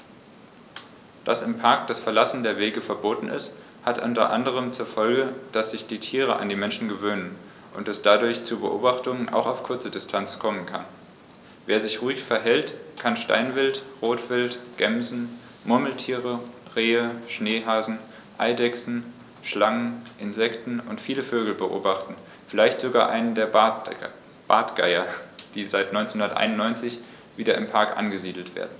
Dass im Park das Verlassen der Wege verboten ist, hat unter anderem zur Folge, dass sich die Tiere an die Menschen gewöhnen und es dadurch zu Beobachtungen auch auf kurze Distanz kommen kann. Wer sich ruhig verhält, kann Steinwild, Rotwild, Gämsen, Murmeltiere, Rehe, Schneehasen, Eidechsen, Schlangen, Insekten und viele Vögel beobachten, vielleicht sogar einen der Bartgeier, die seit 1991 wieder im Park angesiedelt werden.